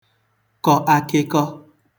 kọ akịkọ